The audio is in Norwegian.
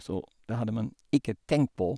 Så det hadde man ikke tenkt på.